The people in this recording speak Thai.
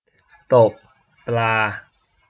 ตกปลา